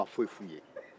wara ma foyi f'u ye